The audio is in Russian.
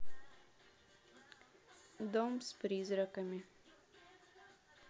дом с призраками